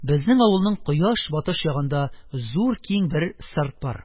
Безнең авылның кояшбатыш ягында зур киң бер сырт бар.